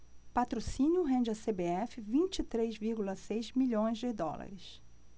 patrocínio rende à cbf vinte e três vírgula seis milhões de dólares